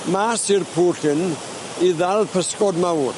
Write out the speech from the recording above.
mas i'r pwll 'yn i ddal pysgod mawr.